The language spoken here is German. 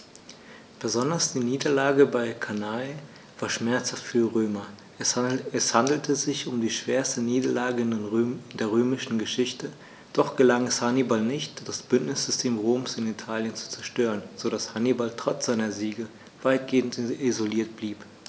Besonders die Niederlage bei Cannae war schmerzhaft für die Römer: Es handelte sich um die schwerste Niederlage in der römischen Geschichte, doch gelang es Hannibal nicht, das Bündnissystem Roms in Italien zu zerstören, sodass Hannibal trotz seiner Siege weitgehend isoliert blieb.